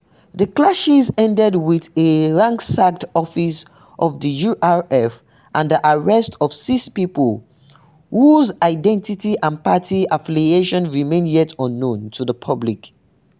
The clashes ended with a ransacked office of the URF and the arrest of six people whose identity and party affiliation remain yet unknown to the public.